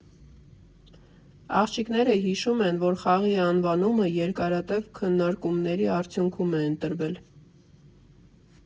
Աղջիկները հիշում են, որ խաղի անվանումը երկարատև քննարկումների արդյունքում է ընտրվել։